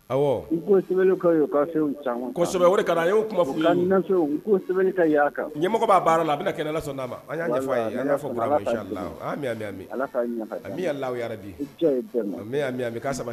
Sɛbɛ kana a y'o kuma fɔ kan ɲɛmɔgɔ b'a baara la a bɛna kɛnɛ'a ma bi